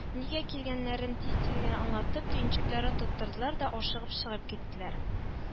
Нигә килгәннәрен тиз-тиз генә аңлатып, төенчекләрен тоттырдылар да ашыгып чыгып киттеләр